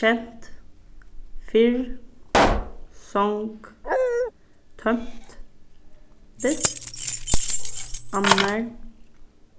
kent fyrr song tómt this annar